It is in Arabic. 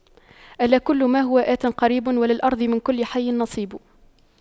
ألا كل ما هو آت قريب وللأرض من كل حي نصيب